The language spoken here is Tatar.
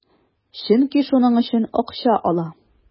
Чөнки шуның өчен акча ала.